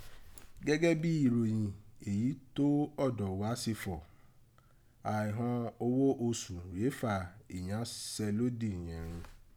Gẹ́gẹ́ bí ìròyẹ̀n èyí tó ọ̀dọ̀ wa ṣe fọ, àrọ̀n oghó oṣù rèé fà iyanṣẹ́lódì yẹ̀n rin.